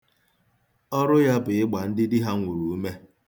Ọrụ ya bụ ịgba ndị di ha nwụrụ ume.